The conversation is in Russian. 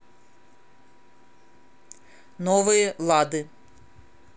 новые лады